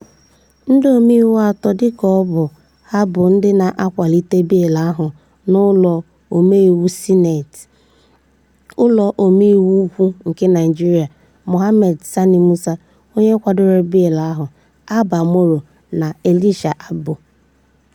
Ndị omeiwu atọ dị ka ọ bụ ha bụ ndị na-akwalite bịịlụ ahụ n'ụlọ omeiwu Sineeti, ụlọ omeiwu ukwu nke Naịjirịa: Mohammed Sani Musa (onye kwadoro bịịlụ ahụ), Abba Moro na Elisha Abbo.